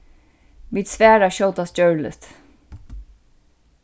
vit svara skjótast gjørligt